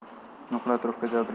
nuqul atrofga javdiraydi